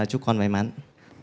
chúc con may mắn